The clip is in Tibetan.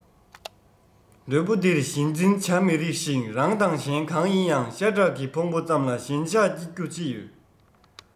ལུས པོ འདིར ཞེན འཛིན བྱ མི རིགས ཤིང རང དང གཞན གང ཡིན ཡང ཤ ཁྲག གི ཕུང པོ ཙམ ལ ཞེན ཆགས སྐྱེ རྒྱུ ཅི ཡོད